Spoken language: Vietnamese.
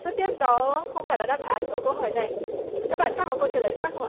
rất tiếc đó không phải là đáp án của câu hỏi này các bạn khác có câu trả lời khác không ạ